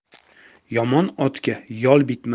yomon otga yoi bitmas